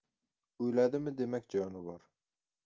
o'ladimi demak joni bor